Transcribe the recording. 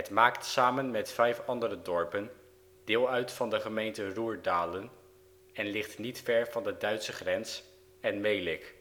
maakt samen met vijf andere dorpen deel uit van de gemeente Roerdalen, en ligt niet ver van de Duitse grens en Melick